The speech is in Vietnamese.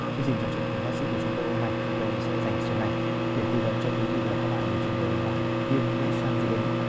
chương trình trò chuyện cùng bác sĩ của chúng tôi hôm nay chúng tôi sẽ dành số này để tư vấn cho quý vị và các bạn về chủ đề là viêm mũi xoang dị ứng